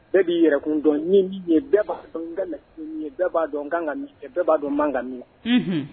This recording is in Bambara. Bɛɛ b'i yɛrɛkun dɔn'i bɛɛ b'a dɔn bɛɛ b'a dɔn bɛɛ b'a dɔn mangami